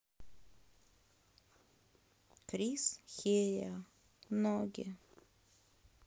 крис хериа ноги